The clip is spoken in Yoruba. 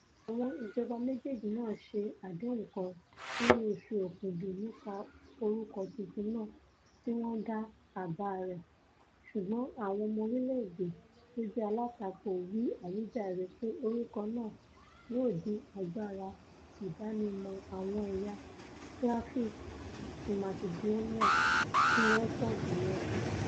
Àwọn ìjọba méjèèjì náà ṣe àdéhùn kan nínú oṣù Òkúdu nípa orúkọ tuntun náà tí wọn dá àbá rẹ̀, ṣùgbọ́n àwọn ọmọ orílẹ̀-èdè tójẹ́ alátakò wí àwíjàre pé orúkọ náà yóò dín agbára ìdánimọ̀ àwọn ẹ̀yà Slavic ti Masidóníà tíwọ́n pọ̀ jùlọ kù.